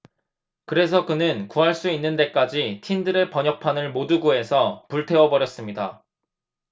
그래서 그는 구할 수 있는 데까지 틴들의 번역판을 모두 구해서 불태워 버렸습니다